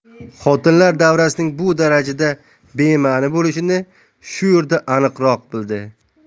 xotinlar davrasining bu darajada bema'ni bo'lishini shu yerda aniqroq bildi